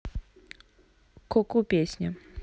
куку песня